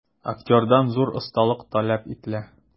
Актердан зур осталык таләп ителә.